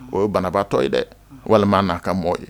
O ye banabatɔ ye dɛ walima a na ka mɔ ye